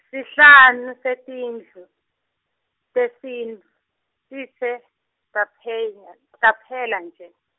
sihlanu setindlu tesintfu tishe taplhenya- taphela nje.